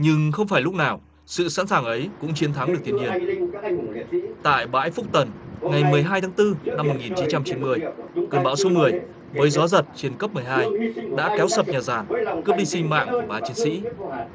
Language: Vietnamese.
nhưng không phải lúc nào sự sẵn sàng ấy cũng chiến thắng được thiên nhiên tại bãi phúc tần ngày mười hai tháng tư năm một nghìn chín trăm chín mươi cơn bão số mười với gió giật trên cấp mười hai đã kéo sập nhà giàn cướp đi sinh mạng của ba chiến sĩ